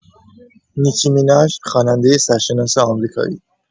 نیکی میناژ خواننده سرشناس آمریکایی